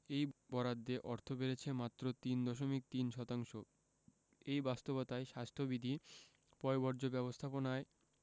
এই বরাদ্দে অর্থ বেড়েছে মাত্র তিন দশমিক তিন শতাংশ এই বাস্তবতায় স্বাস্থ্যবিধি পয়ঃবর্জ্য ব্যবস্থাপনায়